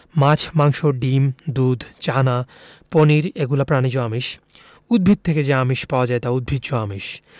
মাছ মাংস ডিম দুধ ছানা পনির এগুলো প্রাণিজ আমিষ উদ্ভিদ থেকে যে আমিষ পাওয়া যায় তা উদ্ভিজ্জ আমিষ